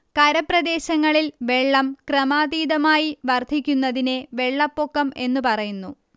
കരപ്രദേശങ്ങളിൽ വെള്ളം ക്രമാതീതമായി വർദ്ധിക്കുന്നതിനെ വെള്ളപ്പൊക്കം എന്നു പറയുന്നു